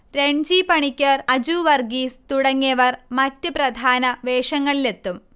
രൺജി പണിക്കർ, അജു വർഗ്ഗീസ് തുടങ്ങിയവർ മറ്റ്പ്രധാന വേഷങ്ങളിലെത്തും